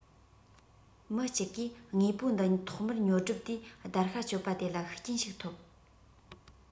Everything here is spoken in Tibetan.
མི གཅིག གིས དངོས པོ འདི ཐོག མར ཉོ སྒྲུབ དུས བརྡར ཤ གཅོད པ དེ ལ ཤུགས རྐྱེན ཞིག ཐོབ